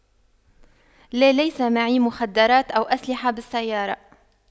لا ليس معي مخدرات أو أسلحة بالسيارة